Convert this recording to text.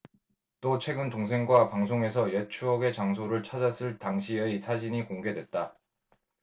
또 최근 동생과 방송에서 옛 추억의 장소를 찾았을 당시의 사진이 공개됐다